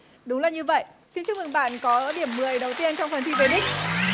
đúng là như vậy xin chúc mừng bạn có điểm mười đầu tiên trong phần thi về đích